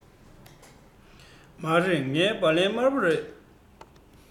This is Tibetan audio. མ རེད ངའི སྦ ལན དམར པོ རེད